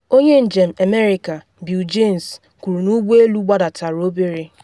Onye njem America Bill Jaynes kwuru na ụgbọ elu gbadatara obere.